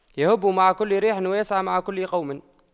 يَهُبُّ مع كل ريح ويسعى مع كل قوم